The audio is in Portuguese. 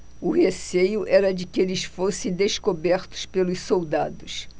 o receio era de que eles fossem descobertos pelos soldados